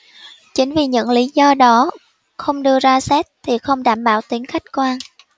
chính vì những lý do đó không đưa ra xét thì không đảm bảo tính khách quan